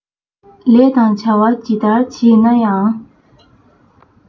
ལས དང བྱ བ ཇི ལྟར བྱེད ན ཡང